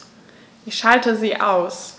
Ich schalte sie aus.